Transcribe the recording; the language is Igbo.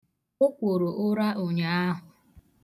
O kworo ụra ụnyaahụ.